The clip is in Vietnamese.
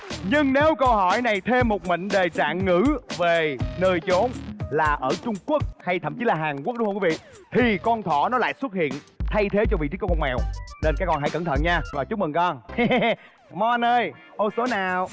nhưng nếu câu hỏi này thêm một mệnh đề trạng ngữ về nơi chốn là ở trung quốc hay thậm chí là hàn quốc luôn quý vị thì con thỏ nó lại xuất hiện thay thế cho vị trí của con mèo nên các con hãy cẩn thận nha rồi chúc mừng con mon ơi ô số nào